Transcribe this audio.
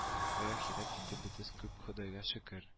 Ай ахирәт сөте бөтәс күп ходайга шөкер